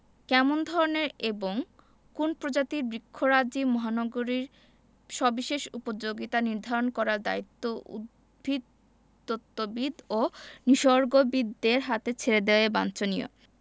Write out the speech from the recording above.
কেমন ধরনের এবং কোন্ প্রজাতির বৃক্ষরাজি মহানগরীর সবিশেষ উপযোগী তা নির্ধারণ করার দায়িত্ব উদ্ভিদতত্ত্ববিদ ও নিসর্গবিদদের হাতে ছেড়ে দেয়াই বাঞ্ছনীয়